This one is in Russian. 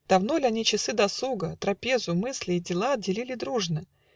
Давно ль они часы досуга, Трапезу, мысли и дела Делили дружно?